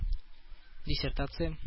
Диссертация